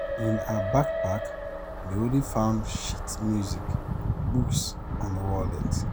In her backpack, they only found sheet music, books, and a wallet.